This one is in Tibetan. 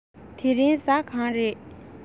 དེ རིང གཟའ གང རས